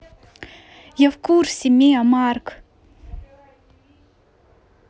я в курсе mia mark